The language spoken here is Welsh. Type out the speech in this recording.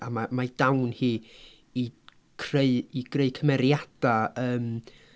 A ma' mae ei dawn hi i creu i greu cymeriadau yym...